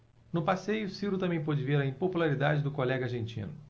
no passeio ciro também pôde ver a impopularidade do colega argentino